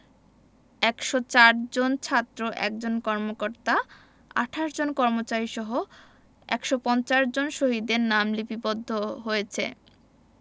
১০৪ জন ছাত্র ১ জন কর্মকর্তা ২৮ জন কর্মচারীসহ ১৫০ জন শহীদের নাম লিপিবদ্ধ হয়েছে